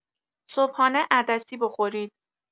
صبحانه عدسی بخورید!